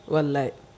wallay